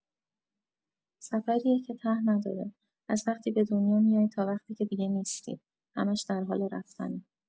سفریه که ته نداره، از وقتی به دنیا میای تا وقتی که دیگه نیستی، همش در حال رفتنه.